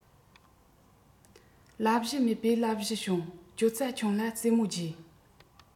ལབ གཞི མེད པའི ལབ གཞི བྱུང གྱོད རྩ ཆུང ལ རྩེ མོ རྒྱས